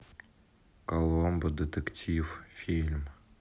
коломбо детектив фильм